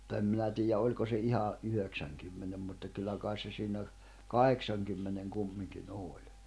mutta en minä tiedä oliko se ihan yhdeksänkymmenen mutta kyllä kai se siinä kahdeksankymmenen kumminkin oli